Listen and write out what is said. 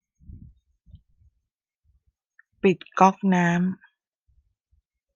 ปิดก๊อกน้ำ